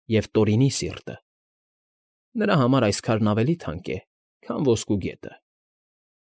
Եվ Տորինի սիրտը։ Նրա համար այս քարն ավելի թանկ է, քան ոսկու գետը։